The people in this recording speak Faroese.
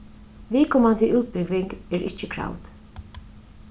viðkomandi útbúgving er ikki kravd